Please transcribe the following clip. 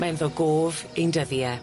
Mae ynddo gof ein dyddie.